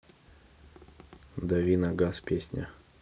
дави на газ песня